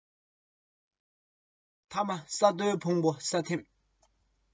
ཐ མ ས རྡོའི ཕུང པོ ས ཐིམ